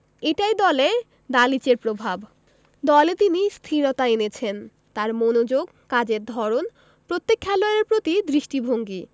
এটাই দলে দালিচের প্রভাব দলে তিনি স্থিরতা এনেছেন তাঁর মনোযোগ কাজের ধরন প্রত্যেক খেলোয়াড়ের প্রতি দৃষ্টিভঙ্গি